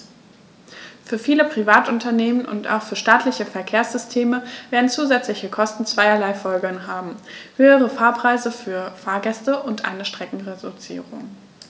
Für viele Privatunternehmen und auch für staatliche Verkehrssysteme werden zusätzliche Kosten zweierlei Folgen haben: höhere Fahrpreise für Fahrgäste und eine Streckenreduzierung.